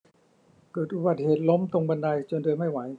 เกิดอุบัติเหตุล้มตรงบันไดจนเดินไม่ไหว